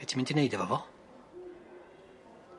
Be' ti'n mynd i neud efo fo?